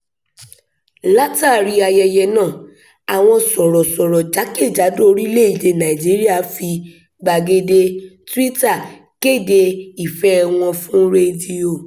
Látàrí ayẹyẹ náà, àwọn sọ̀rọ̀sọ̀rọ̀ jákèjádò orílẹ̀-èdèe Nàìjíríà fi gbàgede Twitter kéde ìfẹ́ ẹ wọn fún rédíò: